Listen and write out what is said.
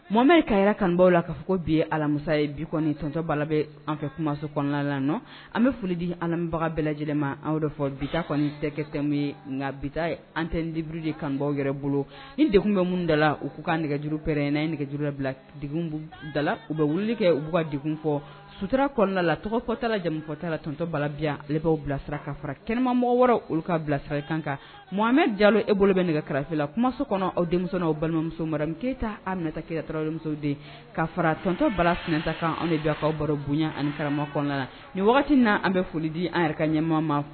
Mɔmɛ ka yɛrɛ kanbaw la k kaa fɔ bi alamisa ye biktɔntɔba bɛ an fɛ kumaso kɔnɔna la nɔ an bɛ foli di anbagaw bɛɛ lajɛlenma an fɔ bita kɔni tɛ 1 ye nka bita an tɛburu de kan baw yɛrɛ bolo ni dek bɛ minnu dala la u k' kan nɛgɛjurupɛrɛn n nɛgɛjuru dala la u bɛ wuliluli kɛ u ka de fɔ suturara kɔnɔna la tɔgɔkɔtalajamifɔta la tɔntɔbabila bilasira ka fara kɛnɛmamɔgɔ wɛrɛ olu ka bila saraka kan kan mɔgɔmɛ jalo e bolo bɛ nɛgɛ karafe la kumaso kɔnɔ aw denmisɛnww balimamuso mara min keyita an minɛta ketɔmuso de ka fara tɔntɔntɔ bala fta kan anw de jɔkaw baro bonya anikarama kɔnɔna la nin wagati na an bɛ foli di an yɛrɛ ɲɛmaama